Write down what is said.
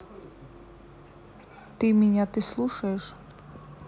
ты меня ты слушаешь